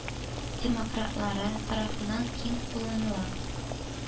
Демократлары тарафыннан киң кулланыла.